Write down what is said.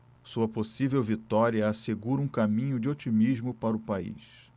sua possível vitória assegura um caminho de otimismo para o país